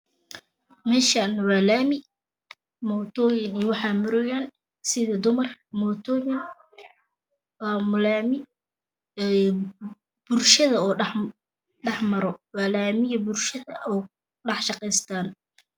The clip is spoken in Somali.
Meeshaani waa laami mooto iyo waxa maroya sida dumar mootada laama laami oo bulshada oo dhex maro waa laamiga bulshada dhexmaro si ay UGA dhex shaqeystaan